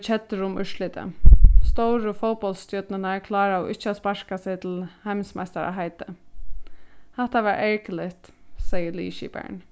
keddir um úrslitið stóru fótbóltsstjørnurnar kláraðu ikki at sparka seg til heimsmeistaraheitið hatta var ergiligt segði liðskiparin